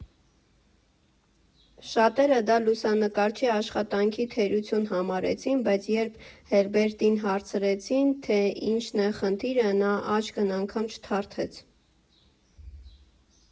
Շատերը դա լուսանկարչի աշխատանքի թերություն համարեցին, բայց երբ Հերբերտին հարցրեցին, թե ինչն է խնդիրը, նա աչքն անգամ չթարթեց։